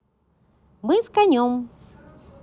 мы с конем